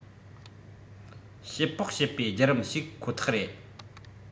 དཔྱད དཔོག བྱེད པའི བརྒྱུད རིམ ཞིག ཁོ ཐག རེད